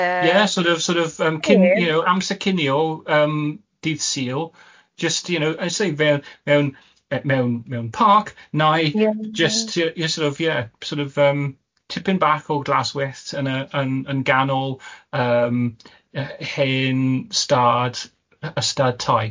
Ie sort of sort of yym cyn- you know amser cinio yym dydd Sul, jyst you know I say fewn mewn mewn mewn parc, nai jyst ie ie sort of ie sort of yym tipyn bach o glaswellt yn y yn yn ganol yym hen stad, ystad tai.